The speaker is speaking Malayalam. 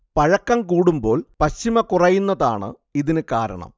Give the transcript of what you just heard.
പഴക്കം കൂടുമ്പോൾ പശിമ കുറയുന്നതാണ് ഇതിനു കാരണം